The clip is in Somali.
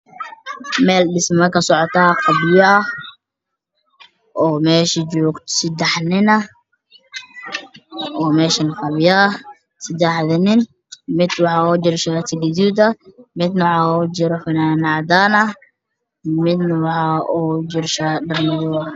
Waa meel dhismo kasocoto seddex nin ayaa meesha joogto, mid waxaa ugu jiro shaati gaduud ah, midna fanaanad cadaan, midna dhar madow ah,